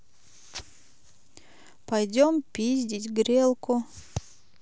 пойдем пиздить грелку